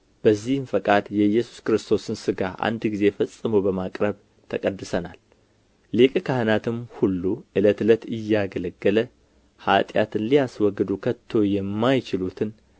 በዚህም ፈቃድ የኢየሱስ ክርስቶስን ሥጋ አንድ ጊዜ ፈጽሞ በማቅረብ ተቀድሰናል ሊቀ ካህናትም ሁሉ ዕለት ዕለት እያገለገለ ኃጢአትን ሊያስወግዱ ከቶ የማይችሉትን